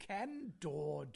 Ken Dod!